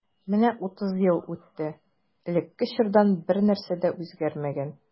Менә утыз ел үтте, элекке чордан бернәрсә дә үзгәрмәгән.